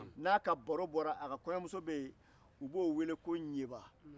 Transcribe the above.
n'a ka baro bɔra a ka kɔɲɔmuso bɛ yen o b'o wele ko ɲeba